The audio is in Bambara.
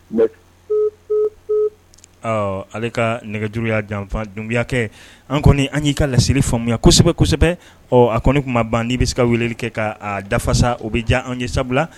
Ale ka nɛgɛjuru yya janfa dunbuya kɛ an kɔni an y'i ka lassiri faamuyamu kosɛbɛ kosɛbɛ a kɔni tun ban n' bɛ se ka wele kɛ ka dafafasa o bɛ jan an ye sabula